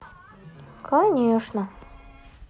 конешно